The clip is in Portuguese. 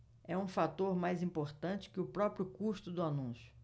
é um fator mais importante que o próprio custo do anúncio